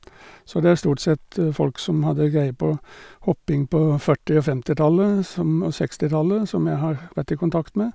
Så det er stort sett folk som hadde greie på hopping på førti- og femtitallet som og sekstitallet, som jeg har vært i kontakt med.